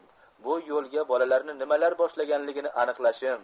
bu yo'lga bolalarni nimalar boshlaganligini aniqlashim